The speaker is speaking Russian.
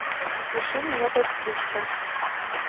запиши меня постричься